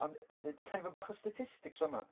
Ond -y d- d- tamaid bach o statistics yn fama.